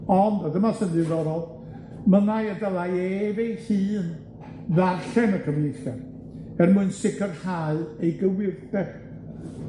ond, a dyma sy'n ddiddorol, mynai y dylai ef ei hun ddarllen y cyfieithiad, er mwyn sicirhau ei gywirdeb,